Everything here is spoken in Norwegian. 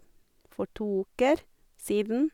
For to uker siden.